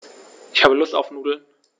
Ich habe Lust auf Nudeln.